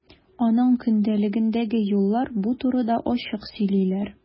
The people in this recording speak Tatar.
Аның көндәлегендәге юллар бу турыда ачык сөйлиләр.